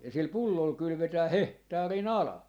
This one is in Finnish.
ja sillä pullolla kylvetään hehtaarin ala